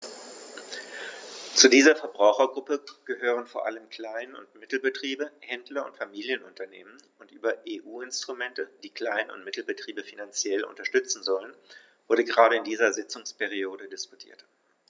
Zu dieser Verbrauchergruppe gehören vor allem Klein- und Mittelbetriebe, Händler und Familienunternehmen, und über EU-Instrumente, die Klein- und Mittelbetriebe finanziell unterstützen sollen, wurde gerade in dieser Sitzungsperiode diskutiert.